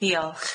Diolch.